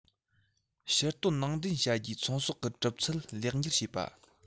ཕྱིར གཏོང ནང འདྲེན བྱ རྒྱུའི ཚོང ཟོག གི གྲུབ ཚུལ ལེགས འགྱུར བྱེད པ